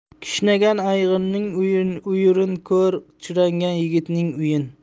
kishnagan ayg'irning uyurin ko'r chirangan yigitning uyin